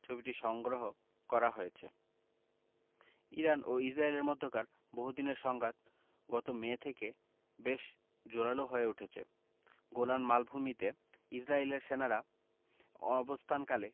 ছবিটি সংগ্রহ করা হয়েছে ইরান ও ইসরায়েলের মধ্যকার বহুদিনের সংঘাত গত মে থেকে বেশ জোরালো হয়ে উঠেছে গোলান মালভূমিতে ইসরায়েলি সেনারা অবস্থানকালে